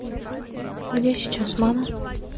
где сейчас мама